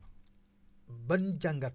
ban jàngat